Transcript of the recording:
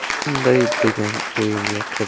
unday degan o'yim yo'q edi